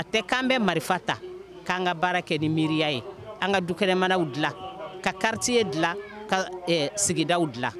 A tɛ k'an bɛ marifa ta k'an ka baara kɛ ni miiriya ye an ka dukɛnɛmanaw dilan ka quartier dilan ka sigida dilan.